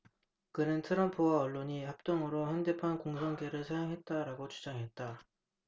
그는 트럼프와 언론이 합동으로 현대판 공성계를 사용했다라고 주장했다